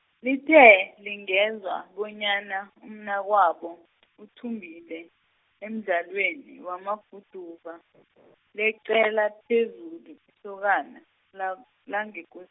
lithe, lingezwa bonyana, umnakwabo uthumbile, emdlalweni, wamaguduva , leqela phezulu, isokana, la langeKos-.